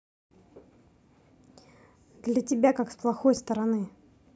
для тебя как с плохой стороны